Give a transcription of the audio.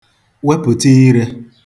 wepụ̀ta irē